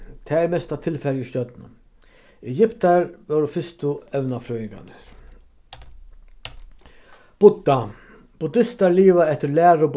tað er mesta tilfarið í stjørnum egyptar vóru fyrstu evnafrøðingarnir buddha buddistar liva eftir læru